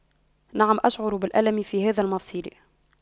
نعم أشعر بالألم في هذا المفصل